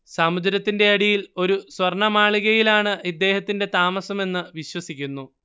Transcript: സമുദ്രത്തിന്റെ അടിയിൽ ഒരു സ്വർണ്ണമാളികയിലാണ് ഇദ്ദേഹത്തിന്റെ താമസമെന്ന് വിശ്വസിക്കുന്നു